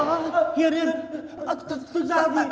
ơ hiền hiền ơ thực ra